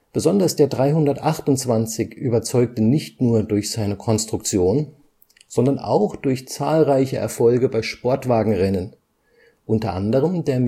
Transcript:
Besonders der 328 überzeugte nicht nur durch seine Konstruktion, sondern auch durch zahlreiche Erfolge bei Sportwagen-Rennen, unter anderem der